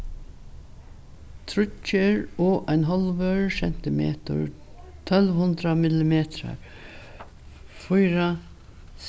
tríggir og ein hálvur sentimetur tólv hundrað millimetrar fýra